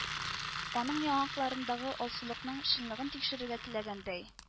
Аның яңакларындагы алсулыкның чынлыгын тикшерергә теләгәндәй